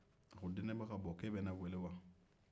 a ko deninba ka bɔ ko e bɛ ne weele wa